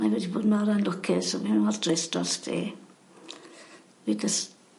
Mae wedi bod mor anlwcus o'n i mor drist drosti fi jys